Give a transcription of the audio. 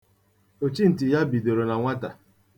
Ochintị ya bidoro na nwata.